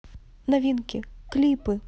новинки клипы